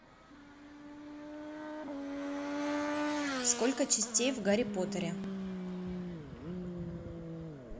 сколько частей в гарри поттере